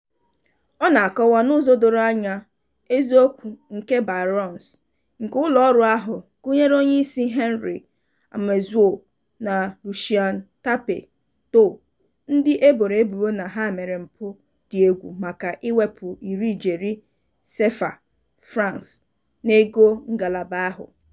Ọ na-akọwa n'ụzọ doro anya eziokwu nke 'barons' nke ụlọọrụ ahụ, gụnyere onyeisi Henri Amouzou na Lucien Tapé Doh ndị e boro ebubo na ha mere mpụ dị egwu maka iwepụ iri ijeri CFA francs n'ego ngalaba ahụ.